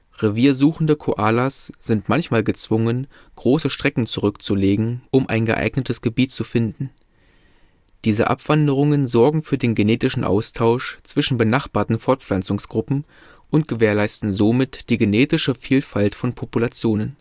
Reviersuchende Koalas sind manchmal gezwungen, große Strecken zurückzulegen, um ein geeignetes Gebiet zu finden. Diese Abwanderungen sorgen für den genetischen Austausch zwischen benachbarten Fortpflanzungsgruppen und gewährleisten somit die genetische Vielfalt von Populationen